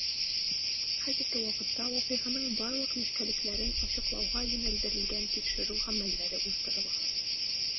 Хәзерге вакытта вакыйганың барлык нечкәлекләрен ачыклауга юнәлдерелгән тикшерү гамәлләре уздырыла.